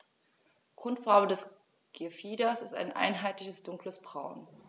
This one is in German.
Grundfarbe des Gefieders ist ein einheitliches dunkles Braun.